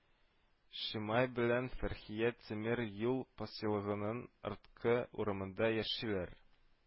Шимай белән Фәрхия тимер юл поселогының арткы урамында яшиләр